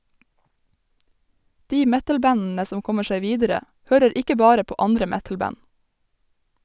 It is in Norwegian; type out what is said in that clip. De metal-bandene som kommer seg videre, hører ikke bare på andre metal-band.